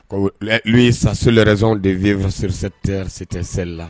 Olu ye sa so z de vfastesɛri la